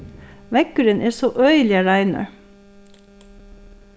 veggurin er so øgiliga reinur s